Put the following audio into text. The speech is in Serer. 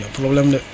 y a probleme de